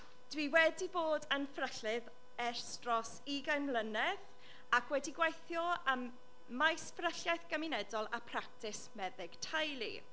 Dw i wedi bod yn fferyllydd ers dros ugain mlynedd ac wedi gweithio ym maes fferylliaeth gymunedol a practis meddyg teulu.